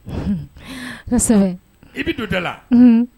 I bɛ don da la